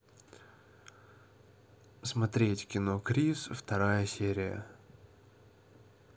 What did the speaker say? смотреть кино крис вторая серия